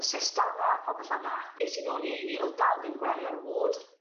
bod y cyst dal 'na a popeth fel 'na. Es i nôl i Ay an' Ee o'dd dal ddim gwely ar y ward.